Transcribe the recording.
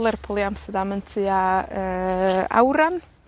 Lerpwl i Amsterdam yn tua yy awran.